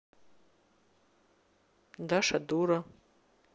даша дура